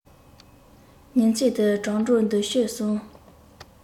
ཉིན མཚན དུས དྲུག འགྲོ འདུག སྤྱོད གསུམ